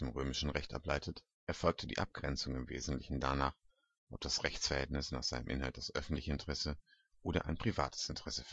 römischen Recht ableitet, erfolgte die Abgrenzung im Wesentlichen danach, ob das Rechtsverhältnis nach seinem Inhalt das öffentliche Interesse oder ein privates Interesse